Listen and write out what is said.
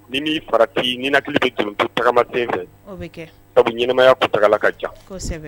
Ni mini faratii ɲinina hakili bɛ tun to tagamaden fɛ sabu ɲɛnaɛnɛmaya tagala ka jan